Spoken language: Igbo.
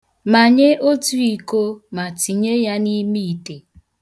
Manye otu iko ma tinye ya n'ime ite.